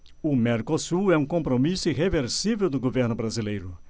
o mercosul é um compromisso irreversível do governo brasileiro